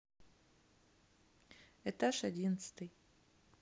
этаж одиннадцатый